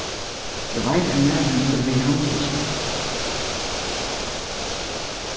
eg veit at maðurin hevur verið handtikin